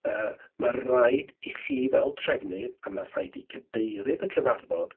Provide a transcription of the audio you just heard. Yyy, ma' raid i chi fel trefnydd, a ma' rhaid i cadeirydd y cyfarfod...